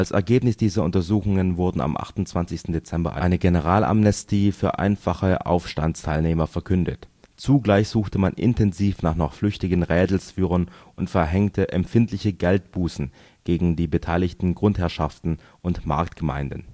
Ergebnis dieser Untersuchungen wurde am 28. Dezember eine Generalamnestie für einfache Aufstandsteilnehmer verkündet, zugleich suchte man intensiv nach noch flüchtigen Rädelsführern und verhängte empfindliche Geldbußen gegen die beteiligten Grundherrschaften und Marktgemeinden